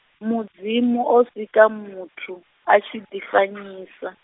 Mudzimu o sika muthu, a tshi ḓi fanyisa.